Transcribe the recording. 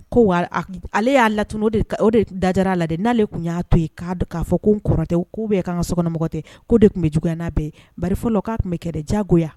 Ko ale y'a lat'o o de dajara la de n'ale tun y'a to yen k'a k'a fɔ ko n kɔrɔtɛ k'u bɛ kan ka sokɔnɔmɔgɔ tɛ koo de tun bɛ juguyaana bɛɛ bafɔ la k'a tun bɛ kɛlɛ diyagoya